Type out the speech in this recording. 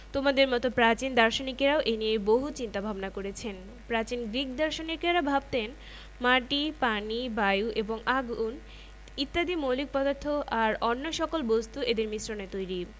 তোমাদের মতো প্রাচীন দার্শনিকেরাও এ নিয়ে বহু চিন্তা ভাবনা করেছেন প্রাচীন গ্রিক দার্শনিকেরা ভাবতেন মাটি পানি বায়ু এবং আগুন ইত্যাদি মৌলিক পদার্থ আর অন্য সকল বস্তু এদের মিশ্রণে তৈরি